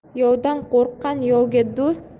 yovdan qo'rqqan yovga